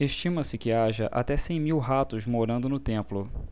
estima-se que haja até cem mil ratos morando no templo